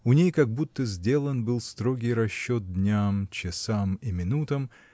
У ней как будто сделан был строгий расчет дням часам и минутам